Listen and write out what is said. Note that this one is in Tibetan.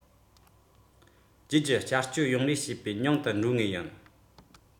རྗེས ཀྱི བསྐྱར གཅོད ཡོང རེ ཞུས པའི ཉུང དུ འགྲོ ངེས ཡིན